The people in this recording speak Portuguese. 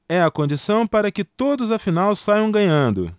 é a condição para que todos afinal saiam ganhando